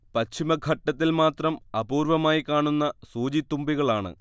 പശ്ചിമഘട്ടത്തിൽ മാത്രം അപൂർവ്വമായി കാണുന്ന സൂചിത്തുമ്പികളാണ്